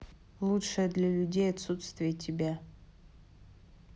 лучшее для людей отсутствие тебя